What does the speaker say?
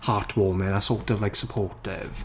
heartwarming a sort of like supportive.